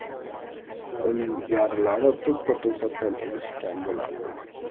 ilgarilari to'ppa to'satdan o'lish kam bo'lardi